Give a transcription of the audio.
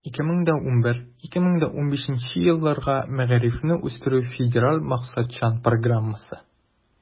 2011 - 2015 елларга мәгарифне үстерү федераль максатчан программасы.